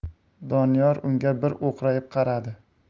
doniyor unga bir o'qrayib qaradi